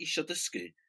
isio dysgu